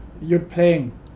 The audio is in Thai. หยุดเพลง